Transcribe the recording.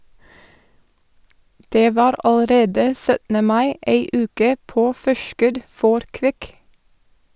Det var allerede 17. mai ei uke på forskudd for Kvik.